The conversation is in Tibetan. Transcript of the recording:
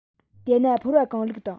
དེ ན ཕོར བ གང བླུགས དང